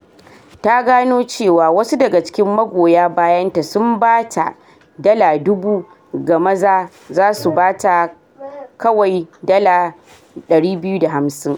Ta gano cewa wasu daga cikin magoya bayanta sun ba da $1,000 ga maza zasu ba ta kawai $ 250.